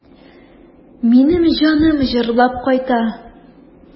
Минем җаным җырлап кайта.